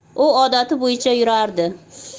u odati bo'yicha yurardi